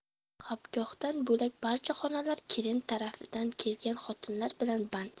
xobgohdan bo'lak barcha xonalar kelin tarafidan kelgan xotinlar bilan band